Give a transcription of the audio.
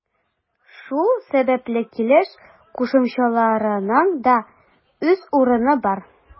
Шул сәбәпле килеш кушымчаларының да үз урыны бар.